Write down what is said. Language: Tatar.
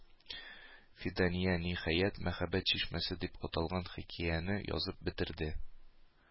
Фидания, ниһаять, "Мәхәббәт чишмәсе" дип аталган хикәяне язып бетерде.